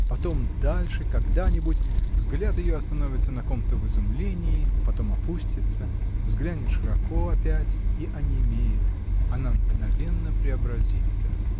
Потом дальше, когда-нибудь, взгляд ее остановится на ком-то в изумлении, потом опустится, взглянет широко опять и онемеет — и она мгновенно преобразится.